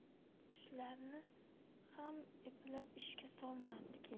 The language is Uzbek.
shularni ham eplab ishga solmagin